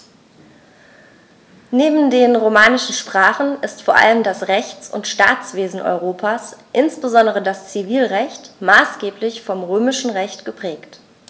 Neben den romanischen Sprachen ist vor allem das Rechts- und Staatswesen Europas, insbesondere das Zivilrecht, maßgeblich vom Römischen Recht geprägt.